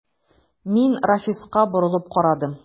Мин Рафиска борылып карадым.